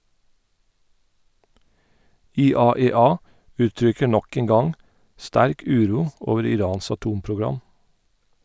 IAEA uttrykker nok en gang sterk uro over Irans atomprogram.